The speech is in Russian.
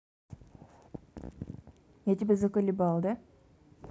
я тебя заколебал да